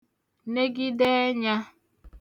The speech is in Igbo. negide ẹnyā